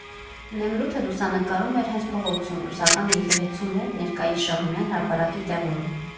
Նեմրութը լուսանկարում էր հենց փողոցում՝ ռուսական եկեղեցու մոտ՝ ներկայիս Շահումյան հրապարակի տեղում։